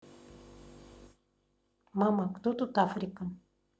мама кто тут африка